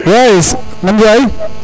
oui nam waay